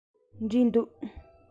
འབྲས འདུག